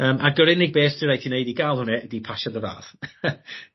Yym ag yr unig beth sy rai' ti neud i ga'l hwnne ydi pasio dy radd.